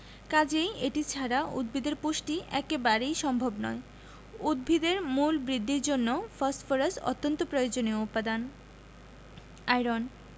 কাজেই এটি ছাড়া উদ্ভিদের পুষ্টি একেবারেই সম্ভব নয় উদ্ভিদের মূল বৃদ্ধির জন্য ফসফরাস অত্যন্ত প্রয়োজনীয় উপাদান আয়রন